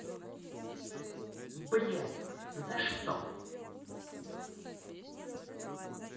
блядь за что